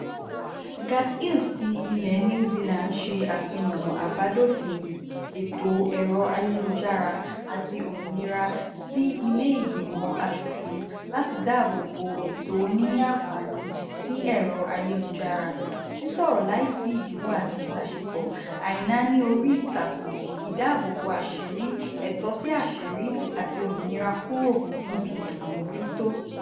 Garth Hughes ti ilẹ̀ New Zealand ṣe àfihàn àbádòfin ẹ̀tọ́ ẹ̀rọ ayélujára àti òmìnira sí ilé ìgbìmọ̀ aṣòfin láti dáàbò bo ẹ̀tọ́ níní àǹfààní sí ẹ̀rọ ayélujára, sísọ̀rọ̀ láì sí ìdíwọ́ àti ìbáṣepọ̀, àìnáání orí ìtàkùn, ìdáàbò bo àṣírí, ẹ̀tọ́ sí àṣírí àti òmìnira kúrò níbi àmójútó.